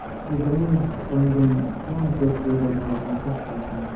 shudring qo'ngan ko'm ko'k bedazorni xis qilsam